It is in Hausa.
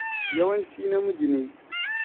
Yawanci namiji ne.